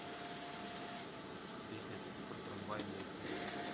песня про трамвай на ютубе